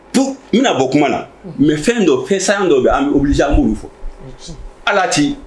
Tu n bɛna bɔ kuma na mɛ fɛn dɔ fɛn san dɔ bɛ an wulimu fɔ ala tɛ